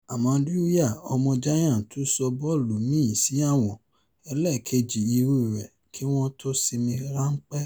Àmọ́ Dwyer, ọmọ Giants, tún sọ bọ́ọ̀lù míì sí àwọ̀n -ẹlẹ́kèjì irú ẹ̀ - kí wọ́n tó sinmi ráńpé.